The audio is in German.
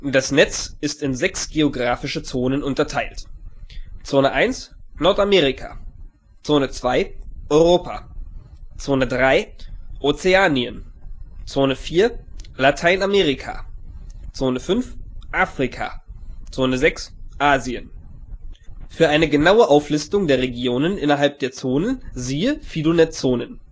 Das Netz ist in sechs geographische Zonen unterteilt: Zone 1: Nordamerika Zone 2: Europa Zone 3: Ozeanien Zone 4: Lateinamerika Zone 5: Afrika Zone 6: Asien Für eine genaue Auflistung der Regionen innerhalb der Zonen siehe FidoNet Zonen